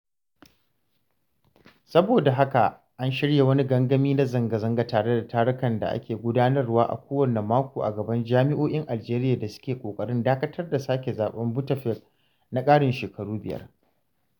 Saboda haka, an shirya wani gangami na zanga-zanga tare da taruka da ake gudanarwa a kowane mako a gaban jami’o’in Algeria da su ke ƙoƙarin dakatar da sake zaɓen Bouteflika na ƙarin shekaru biyar.